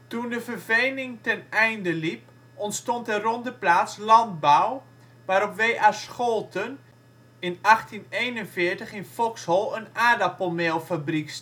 Toen de vervening ten einde liep ontstond er rond de plaats landbouw, waarop W.A. Scholten in 1841 in Foxhol een aardappelmeelfabriek